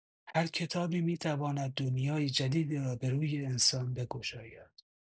هر کتابی می‌تواند دنیای جدیدی را به روی انسان بگشاید.